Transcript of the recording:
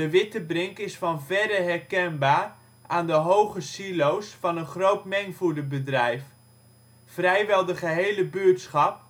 Wittebrink is van verre herkenbaar aan de hoge silo 's van een groot mengvoederbedrijf. Vrijwel de gehele buurtschap